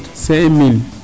cinq mille